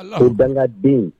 Ko bangega den